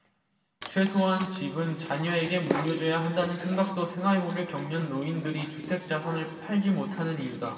최소한 집은 자녀에게 물려줘야 한다는 생각도 생활고를 겪는 노인들이 주택 자산을 팔지 못하는 이유다